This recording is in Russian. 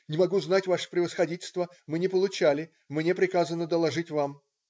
"-"Не могу знать, ваше превосходительство, мы не получали. Мне приказано доложить вам".